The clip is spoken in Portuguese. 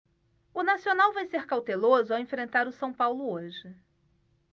o nacional vai ser cauteloso ao enfrentar o são paulo hoje